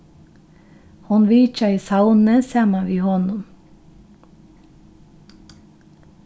hon vitjaði savnið saman við honum